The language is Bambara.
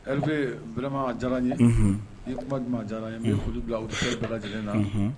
Erive vrɛma a diyara n ye i ye kuma di nma a diyara n ye nbɛ foli bila oditɛri bɛɛ lajɛlen na